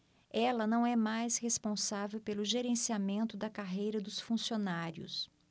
ela não é mais responsável pelo gerenciamento da carreira dos funcionários